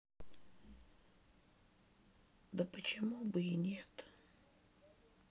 да почему бы и нет